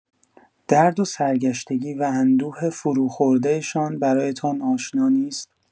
درد و سرگشتگی و اندوه فروخورده‌شان برایتان آشنا نیست؟